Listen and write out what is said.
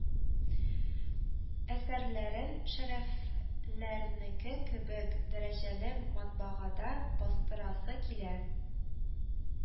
Әсәрләрен Шәрәф ләр неке кебек дәрәҗәле матбагада бастырасы килә